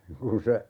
kun se